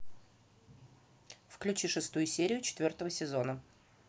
включи шестую серию четвертого сезона